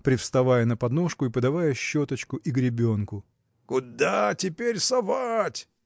привставая на подножку и подавая щеточку и гребенку. – Куда теперь совать?